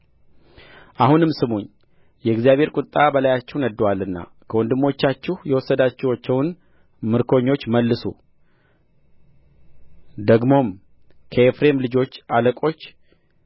አሁንም ስሙኝ የእግዚአብሔር ቍጣ በላያችሁ ነድዶአልና ከወንድሞቻችሁ የወሰዳችኋቸውን ምርኮኞች መልሱ ደግሞም ከኤፍሬም ልጆች አለቆች